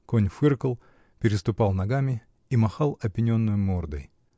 Конь фыркал, переступал ногами и махал опененною мордой.